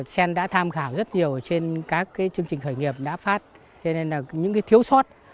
san đã tham khảo rất nhiều trên các cái chương trình khởi nghiệp đã phát thế nên là những cái thiếu sót